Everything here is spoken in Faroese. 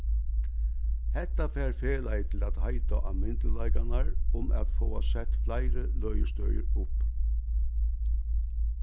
hetta fær felagið til at heita á myndugleikarnar um at fáa sett fleiri løðistøðir upp